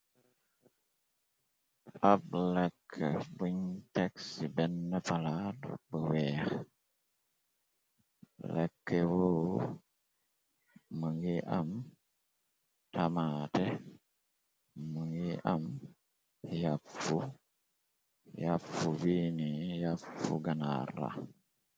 Ab lakk biñ tex ci benn palaad bu weex lekkeu më ngi am tamate mu ngi am yafu viini yafu ganara.